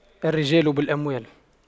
الرجال بالأموال